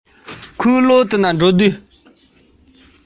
ཡིན བའི དབང དུ བཏང ན འང